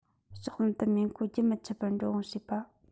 ལྕགས ལམ དུ མེ འཁོར རྒྱུན མི འཆད པར འགྲོ འོང བྱེད པ